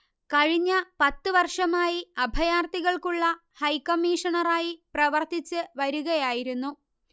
കഴിഞ്ഞ പത്തുവർഷമായി അഭയാർഥികൾക്കുളള ഹൈക്കമ്മീഷണറായി പ്രവർത്തിച്ച് വരികയായിരുന്നു